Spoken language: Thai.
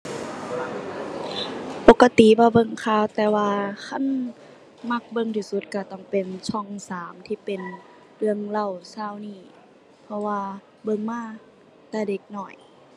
ปกติบ่เบิ่งข่าว แต่ว่าคันมักเบิ่งที่สุดก็ต้องเป็นช่องสามที่เป็นเรื่องเล่าเช้านี้ เพราะว่าเบิ่งมาแต่เด็กน้อย